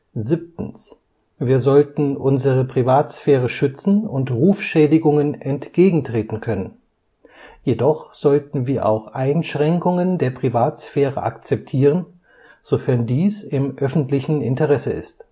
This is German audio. Wir sollten unsere Privatsphäre schützen und Rufschädigungen entgegentreten können. Jedoch sollten wir auch Einschränkungen der Privatsphäre akzeptieren, sofern dies im öffentlichen Interesse ist